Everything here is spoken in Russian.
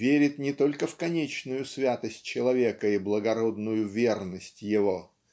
верит не только в конечную святость человека и благородную "верность его